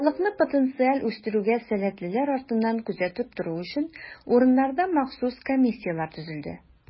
Халыкны потенциаль үстерүгә сәләтлеләр артыннан күзәтеп тору өчен, урыннарда махсус комиссияләр төзелде.